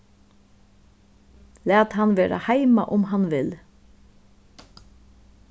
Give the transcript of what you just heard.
lat hann verða heima um hann vil